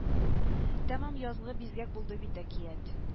Тәмам язгы бизгәк булды бит әкият